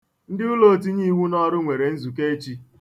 Ndị ụlọ otinyeiwunọrụ nwere nzukọ echi.